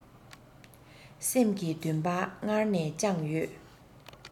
སེམས ཀྱི འདུན པ སྔར ནས བཅངས ཡོད